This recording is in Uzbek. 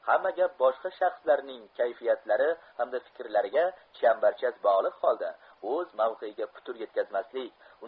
hamma gap boshqa shaxslarning kayfiyatlari hamda fikrlariga chambarchas bogliq holda o'z mavqeiga putur yetkazmaslik